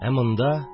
Ә монда